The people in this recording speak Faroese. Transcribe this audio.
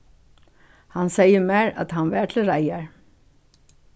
hann segði mær at hann var til reiðar